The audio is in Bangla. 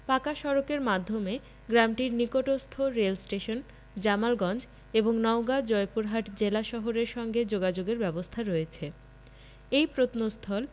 পাকা সড়কের মাধ্যমে গ্রামটির নিকটস্থ রেলস্টেশন জামালগঞ্জ এবং নওগাঁ জয়পুরহাট জেলা শহরের সঙ্গে যোগাযোগের ব্যবস্থা রয়েছে এ প্রত্নস্থল